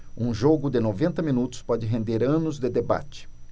um jogo de noventa minutos pode render anos de debate